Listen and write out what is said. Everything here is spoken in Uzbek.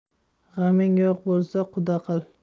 g'aming yo'q bo'lsa quda qil